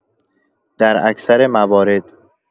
در اکثر موارد